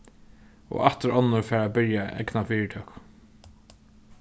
og aftur onnur fara at byrja egna fyritøku